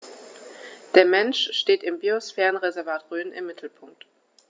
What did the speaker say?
Der Mensch steht im Biosphärenreservat Rhön im Mittelpunkt.